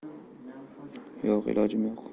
yo'q ilojim yo'q